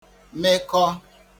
mekọ